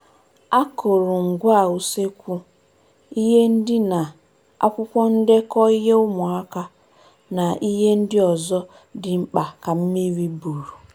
Akụrụngwa ụsekwu, ihe ndina, akwụkwọ ndekọ ihe ụmụaka, na ihe ndị ọzọ dị mkpa ka mmiri buru.